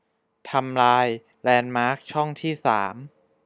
ทำลายแลนด์มาร์คช่องที่สาม